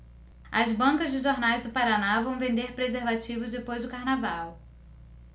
as bancas de jornais do paraná vão vender preservativos depois do carnaval